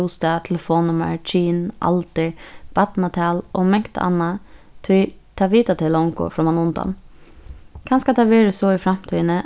bústað telefonnummar kyn aldur barnatal og mangt annað tí tað vita tey longu frammanundan kanska tað verður so í framtíðini